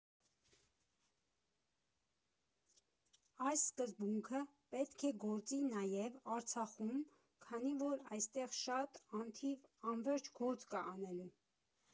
Այս սկզբունքը պետք է գործի նաև Արցախում, քանի որ այստեղ շատ, անթիվ, անվերջ գործ կա անելու։